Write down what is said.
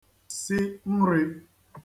si nrī